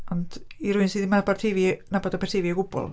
Ond, i rywun sydd ddim yn 'naborteifi- 'nabod Aberteifi o gwbl.